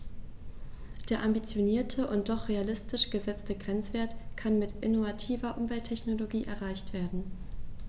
Der ambitionierte und doch realistisch gesetzte Grenzwert kann mit innovativer Umwelttechnologie erreicht werden.